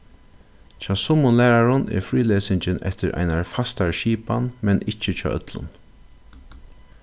hjá summum lærarum er frílesingin eftir einari fastari skipan men ikki hjá øllum